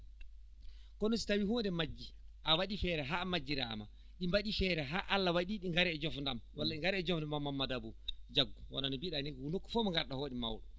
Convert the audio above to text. kono so tawi huunde majjii a waɗi feere haa majjiraama ɗi mbaɗii feere haa Allah waɗii ɗi ngarii e joofde e am walla ɗi ngarii joofde e maa Mamadou Abou jaggu walla no mbiiɗaa nii ko nokku fof mo ngarɗaa ko waɗi mawɗo